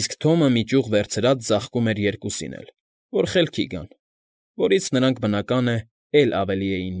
իսկ Թոմը մի ճյուղ վերցրած ձաղկում էր երկուսին էլ, որ խելքի գան, որից նրանք, բնական է, էլ ավելի էին։